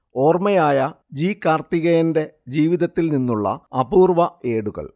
ഓർമയായ ജി. കാർത്തികേയന്റെ ജീവിതത്തിൽ നിന്നുള്ള അപൂർവ്വ ഏടുകൾ